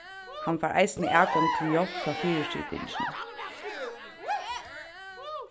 hann fær eisini atgongd til hjálp frá fyrisitingini